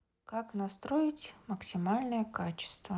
как настроить максимальное качество